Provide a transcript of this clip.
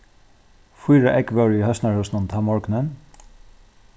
fýra egg vóru í høsnarhúsinum tann morgunin